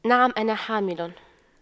نعم أنا حامل